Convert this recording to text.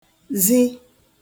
-zi